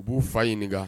U b'u fa ɲininka